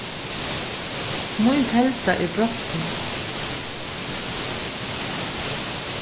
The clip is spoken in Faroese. mín telda er brotnað